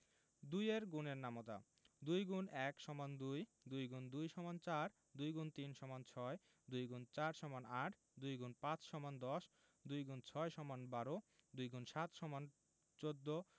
২ এর গুণের নামতা ২ X ১ = ২ ২ X ২ = ৪ ২ X ৩ = ৬ ২ X ৪ = ৮ ২ X ৫ = ১০ ২ X ৬ = ১২ ২ X ৭ = ১৪